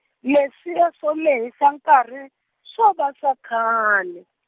leswiya swo lehisa nkarhi, swo va swa khale.